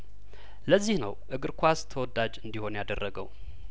ለዚህ ነው እግር ኳስ ተወዳጅ እንዲሆን ያደረገው